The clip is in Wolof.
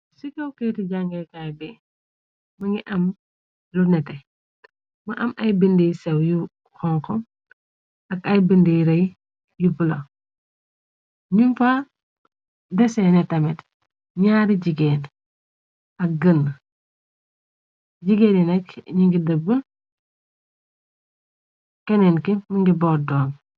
Ci kawkeeti jàngekaay bi më ngi am lu nete. Mu am ay bind yu sew yu xonk ak ay bind yu rëy yu blu. Nyun fa deseene tamet ñyaari jigéen ak gënn. Jigéeni nekk ñi ngi dëbb keneen ki më ngi bot doom.